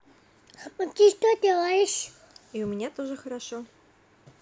и у меня тоже хорошо